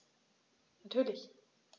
Natürlich.